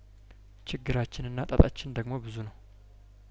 ችግራችንና ጣጣችን ደግሞ ብዙ ነው